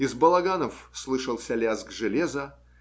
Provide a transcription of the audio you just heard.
Из балаганов слышался лязг железа